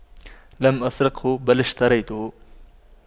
لم أسرقه بل اشتريته